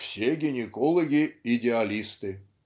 "все гинекологи - идеалисты"